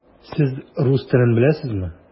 Сез рус телен беләсезме?